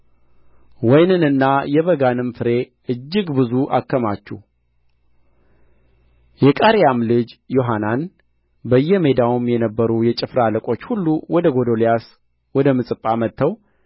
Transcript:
ወይንና የበጋንም ፍሬ እጅግ ብዙ አከማቹ የቃሬያም ልጅ ዮሐናን በየሜዳውም የነበሩ የጭፍራ አለቆች ሁሉ ወደ ጎዶልያስ ወደ ምጽጳ መጥተው